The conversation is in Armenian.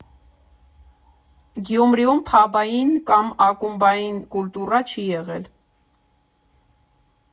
Գյումրիում փաբային կամ ակումբային կուլտուրա չի եղել։